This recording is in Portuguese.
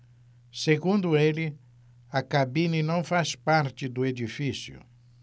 segundo ele a cabine não faz parte do edifício